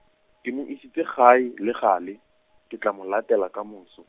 ke mo isitse gae, le gale, ke tla mo latela ka moso.